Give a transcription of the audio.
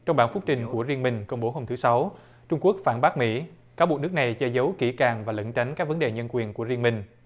trong bản phúc trình của riêng mình công bố hôm thứ sáu trung quốc phản bác mỹ cáo buộc nước này che giấu kỹ càng và lẩn tránh các vấn đề nhân quyền của riêng mình